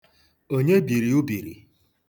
Onye biri ubiri?